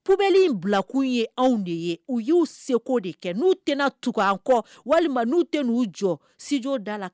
Pblen in bilakun ye anw de ye u y ye'u seguko de kɛ n'u tɛna tu an kɔ walima n'u tɛ n'u jɔ studi dala la